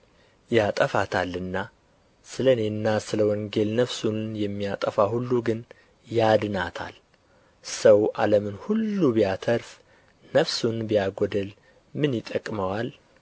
ያጠፋታልና ስለ እኔና ስለ ወንጌል ነፍሱን የሚያጠፋ ሁሉ ግን ያድናታል ሰው ዓለምን ሁሉ ቢያተርፍ ነፍሱንም ቢያጐድል ምን ይጠቅመዋል